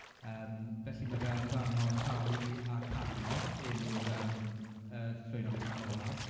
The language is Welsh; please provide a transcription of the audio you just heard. yym felly mae fe amdano Charlie a Cadno, enw'r yym yy llwynog tân olaf.